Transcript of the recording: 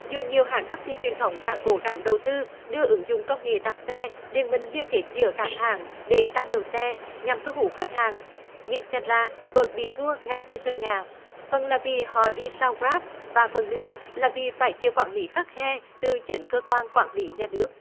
dù nhiều hãng tắc xi truyền thống đã cố gắng đầu tư đưa ứng dụng công nghệ đặt xe liên minh liên kết giữa các hãng để tăng đầu xe nhằm thu hút khách hàng nhưng xem ra vẫn bị thua ngay trên sân nhà phần là vì họ đi sau gờ ráp và phần nữa là vì phải chịu quản lý khắt khe từ chính cơ quan quản lý nhà nước